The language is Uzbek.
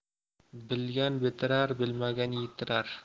bilgan bitirar bilmagan yitirar